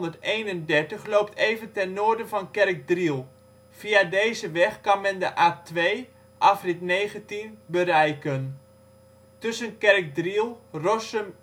De N831 loopt even ten noorden van Kerkdriel; via deze weg kan men de A2 (afrit 19) bereiken. Tussen Kerkdriel, Rossum